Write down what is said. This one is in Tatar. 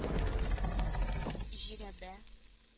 Жирәбә